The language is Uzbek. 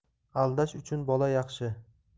aldash uchun bola yaxshi